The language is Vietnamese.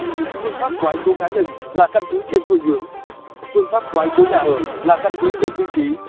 phương pháp quái số cá nhân là căn cứ trên phương hướng phương pháp quái số nhà ở là căn cứ trên vị trí